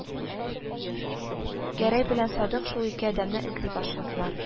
Гәрәй белән Садыйк шул ике адәмне эзли башладылар